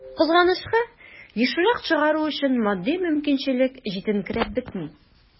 Кызганычка, ешрак чыгару өчен матди мөмкинчелек җитенкерәп бетми.